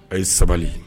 A ye sabali